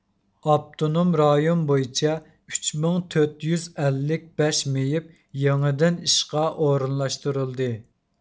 ئاپتونوم رايون بويىچە ئۈچ مىڭ تۆت يۈز ئەللىك بەش مېيىپ يېڭىدىن ئىشقا ئورۇنلاشتۇرۇلدى